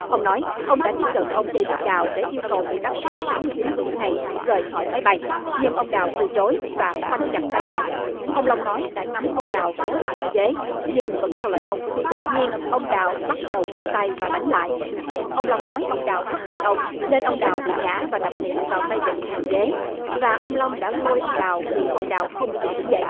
ông nói ông đã tiếp cận ông đây vít đào để yêu cầu vị bác sĩ sáu mươi chín tuổi này rời khỏi máy bay nhưng ông đào từ chối và khoanh chặt tay lại ông long nói đã nắm ông đào kéo ra khỏi ghế nhưng vẫn theo lời ông đột nhiên ông đào bắt đầu khua tay và đánh lại ông long nói ông đào hất tay ông nên ông đào bị ngã và đập miệng vào tay vịn hàng ghế và ông long đã lôi ông đào vì ông đào không chịu đứng dậy